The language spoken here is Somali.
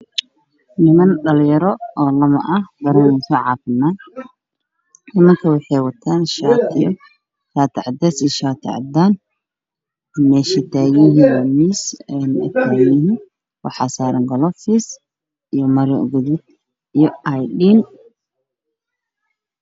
Waa ninman dhalinyaro ah oo labo ah